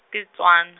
ke tswana.